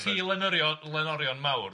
Ci lenyrio- lenorion mawr.